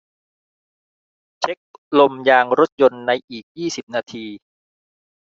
เช็คลมยางรถยนต์ในอีกยี่สิบนาที